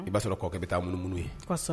I b'a sɔrɔ kɔ kɛ bɛ taa munumunu ye